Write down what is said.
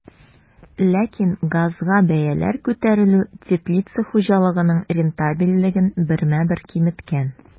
Ләкин газга бәяләр күтәрелү теплица хуҗалыгының рентабельлеген бермә-бер киметкән.